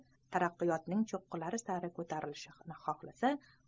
taraqqiyotning cho'qqilari sari ko'tarilishni xohlasa